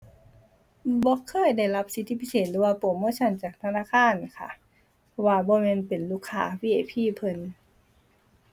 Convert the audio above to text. บ่เคยได้รับสิทธิพิเศษหรือว่าโปรโมชันจากธนาคารค่ะ เพราะว่าบ่แม่นเป็นลูกค้า VIP เพิ่น